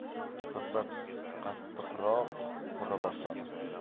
ko'ppak qattiqroq hura boshladi